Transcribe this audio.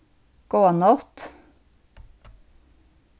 góða nátt